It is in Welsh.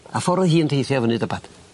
A ffor o' hi yn teithio fyny dybad?